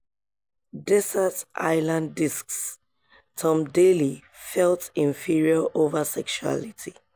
Desert Island Discs: Tom Daley felt 'inferior' over sexuality